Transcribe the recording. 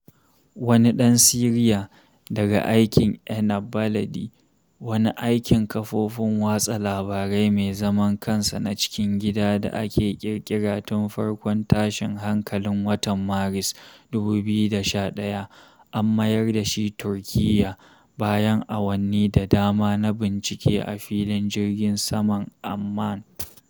Wani ɗan Syria daga aikin Enab Baladi, wani aikin kafofin watsa labarai mai zaman kansa na cikin gida da aka ƙirƙira tun farkon tashin hankalin watan Maris 2011, an mayar da shi Turkiyya bayan awanni da dama na bincike a filin jirgin saman Amman.